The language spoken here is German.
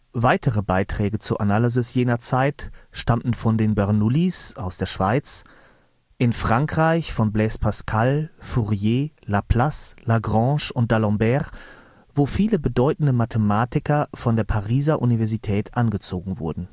Weitere Beiträge zur Analysis der Zeit stammten von den Bernoullis, auf französischer Seite von Blaise Pascal, Fourier, Laplace, Lagrange, D'Alembert, wo viele bedeutende Mathematiker von der Pariser Universität angezogen wurden